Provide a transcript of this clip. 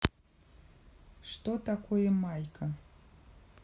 что такое майка